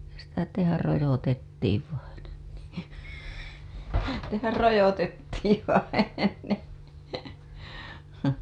sitä tehdä rojotettiin vainen niin tehdä rojotettiin vainen